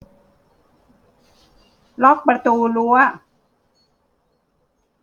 ล็อกประรั้ว